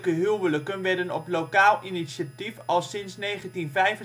huwelijken werden op lokaal initiatief al sinds 1975